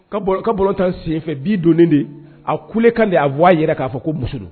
Ka bolo tan senfɛ bi donnen de a kule kan de aa' a yɛrɛ k'a fɔ ko muso